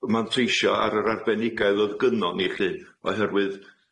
manteisio ar yr arbenigedd o'dd gynnon ni lly, oherwydd